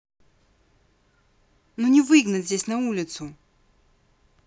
ну не выгнать здесь на улицу